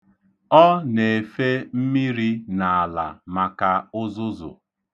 Ọ na-efe mmiri n'ala maka ụzụzụ.